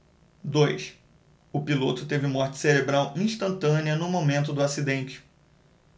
dois o piloto teve morte cerebral instantânea no momento do acidente